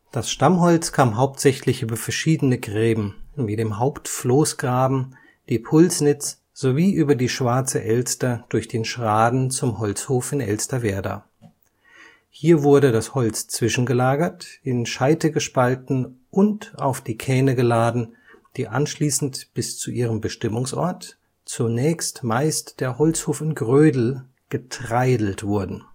Das Stammholz kam hauptsächlich über verschiedene Gräben, wie dem Hauptfloßgraben, die Pulsnitz sowie über die Schwarze Elster durch den Schraden zum Holzhof in Elsterwerda. Hier wurde das Holz zwischengelagert, in Scheite gespalten und auf die Kähne geladen, die anschließend bis zu ihrem Bestimmungsort, zunächst meist der Holzhof in Grödel, getreidelt wurden